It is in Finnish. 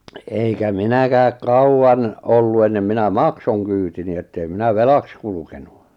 eikä minäkään kauan ollut ennen minä maksoin kyytini että ei minä velaksi kulkenut